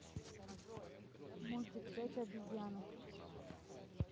мультик пять обезьянок